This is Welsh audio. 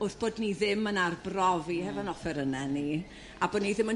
wrth bod ni ddim yn arbrofi hefo'n offeryne ni a bo' ni ddim yn